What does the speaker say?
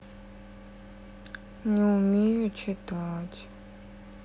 не умею читать